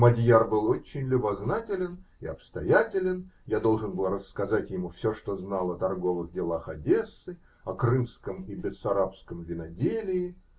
Мадьяр был очень любознателен и обстоятелен: я должен был рассказать ему все, что знал, о торговых делах Одессы, о крымском и бессарабском виноделии